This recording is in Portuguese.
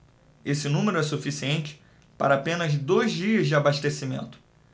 esse número é suficiente para apenas dois dias de abastecimento